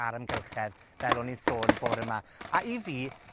a'r amgylchedd, fel o'n i'n sôn bore 'ma. A i fi